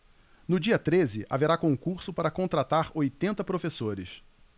no dia treze haverá concurso para contratar oitenta professores